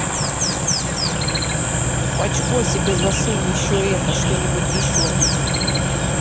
в очко себе засунь еще это что нибудь еще